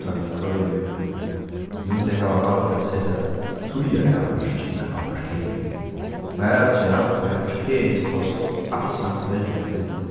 tá eg koyri í honum nú tey hava valt at seta tíðaravmarking á parkering og harafturat verða parkeringspláss alsamt verri at finna